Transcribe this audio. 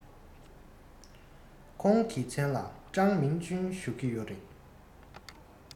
ཁོང གི མཚན ལ ཀྲང མིང ཅུན ཞུ གི ཡོད རེད